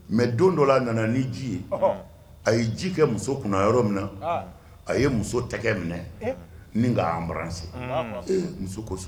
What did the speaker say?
Mais don dɔ la a na na ni ji ye a ye ji kɛ muso kunna yɔrɔ min na a ye muso tɛgɛ minɛ ni k'a embrassé